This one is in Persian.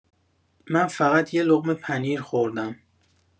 من فقط یه لقمه پنیر خوردم.